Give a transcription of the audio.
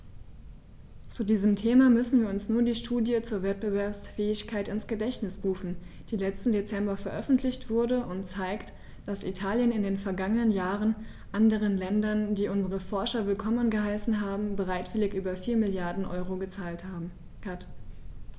Zu diesem Thema müssen wir uns nur die Studie zur Wettbewerbsfähigkeit ins Gedächtnis rufen, die letzten Dezember veröffentlicht wurde und zeigt, dass Italien in den vergangenen Jahren anderen Ländern, die unsere Forscher willkommen geheißen haben, bereitwillig über 4 Mrd. EUR gezahlt hat.